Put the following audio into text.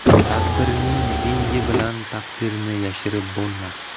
tadbirning yengi bilan taqdirni yashirib bo'lmas